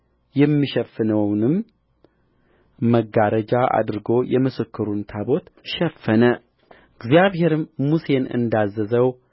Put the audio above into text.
የሚሸፍነውንም መጋረጃ አድርጎ የምስክሩን ታቦት ሸፈነ እግዚአብሔርም ሙሴን እንዳዘዘው